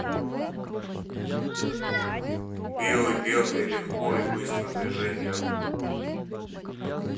белый бегай легко и быстро движение рук